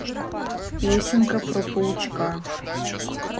песенка про паучка